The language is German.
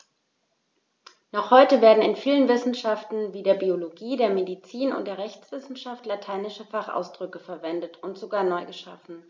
Noch heute werden in vielen Wissenschaften wie der Biologie, der Medizin und der Rechtswissenschaft lateinische Fachausdrücke verwendet und sogar neu geschaffen.